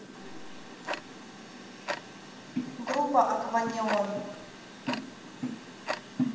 группа aquaneon